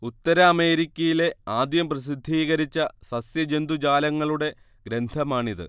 ഉത്തര അമേരിക്കയിലെ ആദ്യം പ്രസിദ്ധീകരിച്ച സസ്യ ജന്തുജാലങ്ങളുടെ ഗ്രന്ഥമാണിത്